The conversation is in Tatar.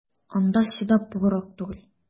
Анда чыдап булырлык түгел!